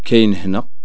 كاين هنا